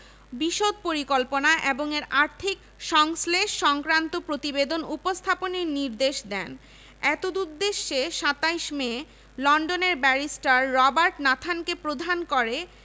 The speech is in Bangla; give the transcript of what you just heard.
একইভাবে স্থানীয় প্রত্যক্ষ ও পরোক্ষ খরচ ৪৭ লক্ষ ৮১ হাজার ৮৩৩ টাকা থেকে বেড়ে ৭৩ লক্ষ ৫ হাজার ২৬০ টাকায় দাঁড়ায়